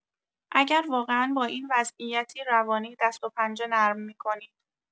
اگر واقعا با این وضعیتی روانی دست‌وپنجه نرم می‌کنید